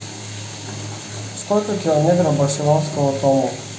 сколько километров барселонского тому